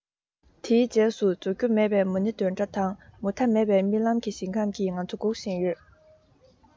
དེའི རྗེས སུ རྫོགས རྒྱུ མེད པའི མ ཎིའི འདོན སྒྲ དང མུ མཐའ མེད པའི རྨི ལམ གྱི ཞིང ཁམས ཀྱིས ང ཚོ སྒུག བཞིན ཡོད